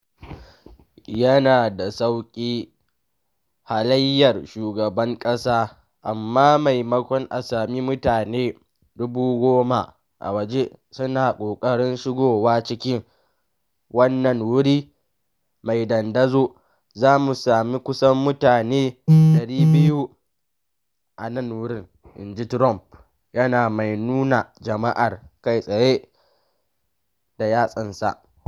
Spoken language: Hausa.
“Yana da sauki halayyar shugaban ƙasa, amma maimakon a sami mutane 10,000 a waje suna ƙoƙarin shigowa cikin wannan wuri mai dandazo, za mu sami kusan mutane 200 a nan wurin,” inji Trump, yana mai nuna jama’ar da ke gabansa da yatsa kai tsaye.